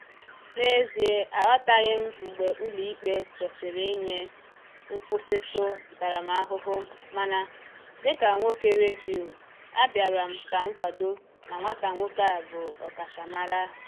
N'ezie aghọtaghị m mgbe ụlọikpe kwesịrị inye nkwụsịtụ ntaramahụhụ mana, dịka nwoke redio, a bịara m ka m kwado na nwata nwoke a bụ ọkachamara."